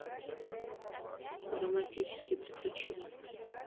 романтические приключения